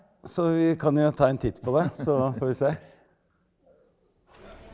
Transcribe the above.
så vi kan jo ta en titt på det så får vi se.